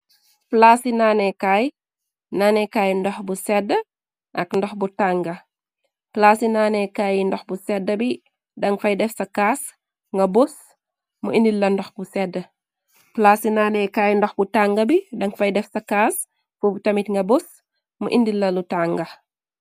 Plaasi nanekaay, nanekaay ndox bu sedd ak ndox bu tanga, plaasi naanekaay ndox bu sedd bi dan fay def sa kaas nga bos mu indil la ndox bu sedd, plaasi naanekaay ndox bu tànga bi dan fay def sa kaas bob tamit nga bos mu indil la lu tànga.